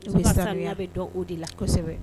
Silamɛya bɛ dɔn o de la kosɛbɛ